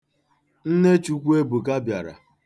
Nne Chukwuebuka bịara.